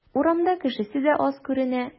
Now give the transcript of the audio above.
Урамда кешесе дә аз күренә.